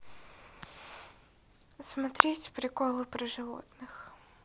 смотреть приколы про животных